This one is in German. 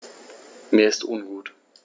Mir ist ungut.